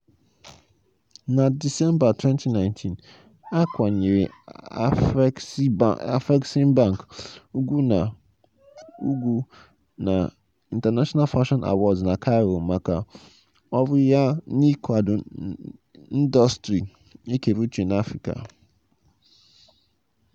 Na Disemba 2019, a kwanyere Afreximbank ugwu na International Fashion Awards (IFA) na Cairo maka ọrụ ya n'ịkwado ndọstrị ekere uche n'Africa.